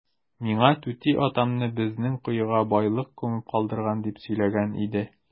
Миңа түти атамны безнең коега байлык күмеп калдырган дип сөйләгән иде.